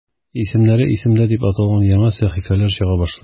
"исемнәре – исемдә" дип аталган яңа сәхифәләр чыга башлый.